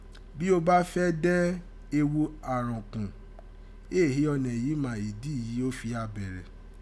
Bi ó bá fẹ́ dẹ́n ewu àrọ̀n kùn, éè hi ọnẹ yìí mà ìdí èyí ó fi gha bárẹ̀.